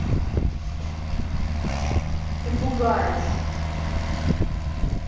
ты пугаешь